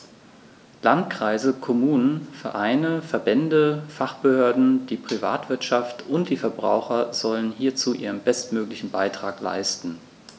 Landkreise, Kommunen, Vereine, Verbände, Fachbehörden, die Privatwirtschaft und die Verbraucher sollen hierzu ihren bestmöglichen Beitrag leisten.